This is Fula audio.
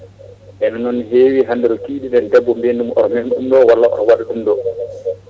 ɓayde noon mi *hande to cuuɗi men debbo mbiyen ɗum oto memɗo walla oto waat ɗum ɗo